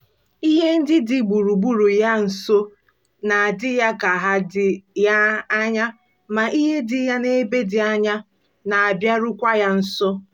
Ihe ndị dị gburugburu ya nso na-adị ya ka ha dị anya ma ihe ndị dị ya n'ebe dị anya na-abịarukwa ya nso.